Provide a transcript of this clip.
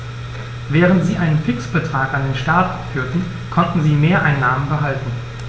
Während sie einen Fixbetrag an den Staat abführten, konnten sie Mehreinnahmen behalten.